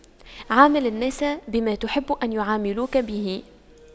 عامل الناس بما تحب أن يعاملوك به